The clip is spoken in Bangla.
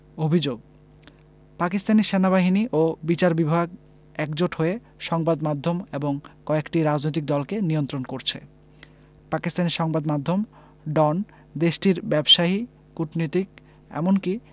অভিযোগ পাকিস্তানি সেনাবাহিনী ও বিচার বিভাগ একজোট হয়ে সংবাদ মাধ্যম এবং কয়েকটি রাজনৈতিক দলকে নিয়ন্ত্রণ করছে পাকিস্তানি সংবাদ মাধ্যম ডন দেশটির ব্যবসায়ী কূটনীতিক এমনকি